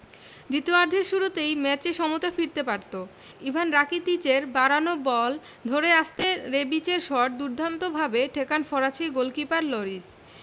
দ্বিতীয়ার্ধের শুরুতেই ম্যাচে সমতা ফিরতে পারত ইভ্যান রাকিতিচের বাড়ানো বল ধরে আন্তে রেবিচের শট দুর্দান্তভাবে ঠেকান ফরাসি গোলকিপার লরিস